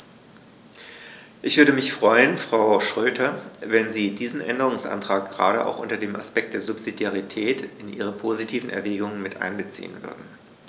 Ich würde mich freuen, Frau Schroedter, wenn Sie diesen Änderungsantrag gerade auch unter dem Aspekt der Subsidiarität in Ihre positiven Erwägungen mit einbeziehen würden.